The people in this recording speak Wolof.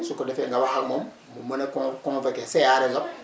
su ko defee nga wax ak moom mu mën a con convoqué CA Resop